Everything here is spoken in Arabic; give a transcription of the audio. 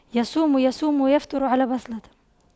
يصوم يصوم ويفطر على بصلة